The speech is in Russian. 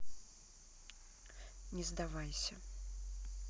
не сдавать